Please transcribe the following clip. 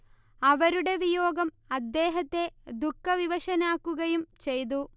അവരുടെ വിയോഗം അദ്ദേഹത്തെ ദുഃഖവിവശനാക്കുകയും ചെയ്തു